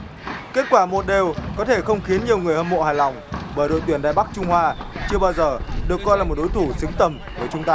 kết quả một đều có thể không khiến nhiều người hâm mộ hài lòng bởi đội tuyển đài bắc trung hoa chưa bao giờ được coi là một đối thủ xứng tầm với chúng ta